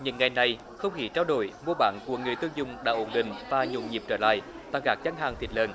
những ngày này không khí trao đổi mua bán của người tiêu dùng đã ổn định và nhộn nhịp trở lại tại các gian hàng thịt lợn